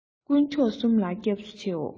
ཀུན མཆོག གསུམ ལ སྐྱབས སུ འཆིའོ